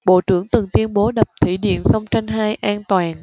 bộ trưởng từng tuyên bố đập thủy điện sông tranh hai an toàn